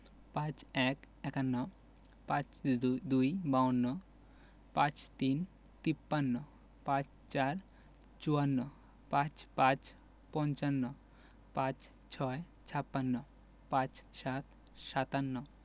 ৫১ – একান্ন ৫২ - বাহান্ন ৫৩ - তিপ্পান্ন ৫৪ - চুয়ান্ন ৫৫ – পঞ্চান্ন ৫৬ – ছাপ্পান্ন ৫৭ – সাতান্ন